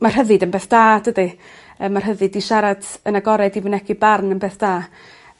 Ma' rhyddid yn beth da dydi? Yy ma' rhydid i siarad yn agored i fynegi barn yn beth da.